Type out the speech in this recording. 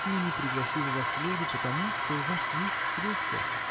– но не пригласила вас в ложу потому что у вас есть кресло.